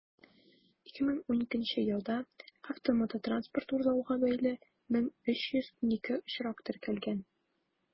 2012 елда автомототранспорт урлауга бәйле 1312 очрак теркәлгән.